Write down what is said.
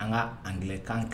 An ka angilɛkan kɛ.